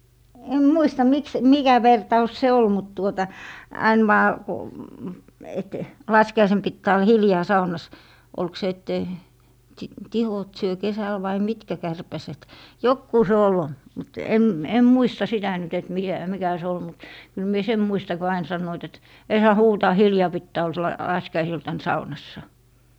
en muista miksi että mikä vertaus se oli mutta tuota aina vain kun että laskiaisena pitää olla hiljaa saunassa oliko se että ei sitten tihot syö kesällä vai mitkä kärpäset joku se oli mutta en en muista sitä nyt että mikä mikä se oli mutta kyllä minä sen muistan kun aina sanoivat että ei saa huutaa hiljaa pitää olla -- laskiaisiltana saunassa